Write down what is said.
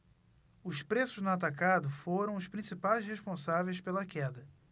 os preços no atacado foram os principais responsáveis pela queda